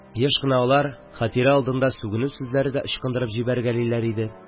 Еш кына алар Хәтирә алдында сүгенү сүзләре дә ычкындырып җибәргәлиләр иде.